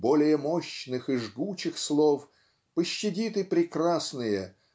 более мощных и жгучих слов пощадит и прекрасные